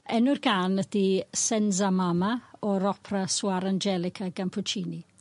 Enw'r gân ydi Sensa Mama o'r opra Swar Anjelica gan Puchini.